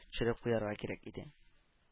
Төшереп куярга кирәк иде